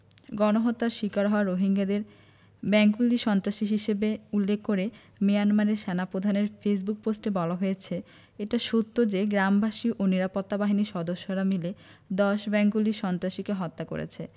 গণহত্যার শিকার হওয়া রোহিঙ্গাদের বেঙ্গলি সন্ত্রাসী হিসেবে উল্লেখ করে মিয়ানমারের সেনাপ্রধানের ফেসবুক পোস্টে বলা হয়েছে এটা সত্য যে গ্রামবাসী ও নিরাপত্তা বাহিনীর সদস্যরা মিলে ১০ বেঙ্গলি সন্ত্রাসীকে হত্যা করেছে